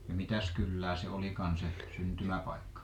ja mitäs kylää se olikaan se syntymäpaikka